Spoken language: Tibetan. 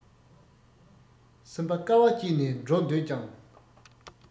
སེམས པ དཀའ བ སྤྱད ནས འགྲོ འདོད ཀྱང